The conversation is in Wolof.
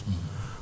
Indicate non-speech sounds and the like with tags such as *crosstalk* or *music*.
*hesitation* *hesitation*